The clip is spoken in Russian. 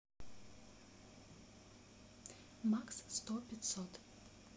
макс сто пятьсот